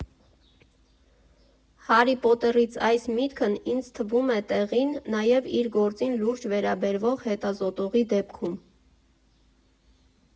«Հարրի Փոթերից» այս միտքն ինձ թվում է տեղին նաև իր գործին լուրջ վերաբերվող հետազոտողի դեպքում։